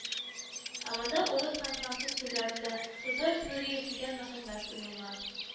Ә монда урыс һәм француз телләрендә «Рудольф Нуриев.» дигән мәгълүмат уелган